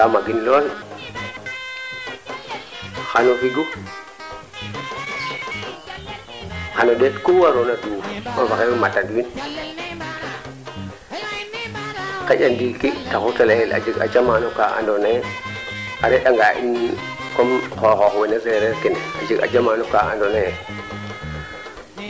nddiki koy i tolwa no camano faa ando naye jamano toubab a refa tu yaam machine kene wax deg njeng eeyo kaaga tax machine ke njeng e mayee lool ndaa mene i toluna ndiiki ke moƴna ref jafe jafe in fop ten refu ke i njegeer na xa refu